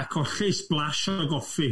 A colli splash o goffi.